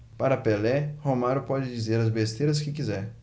para pelé romário pode dizer as besteiras que quiser